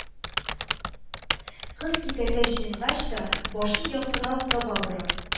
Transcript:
Кыз китәргә җыенгач та, башын яктыга таба борып: